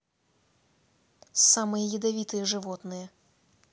самые ядовитые животные